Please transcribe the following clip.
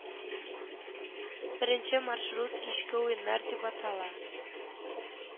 Беренче маршрут кичке уеннар дип атала